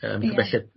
Yym y belled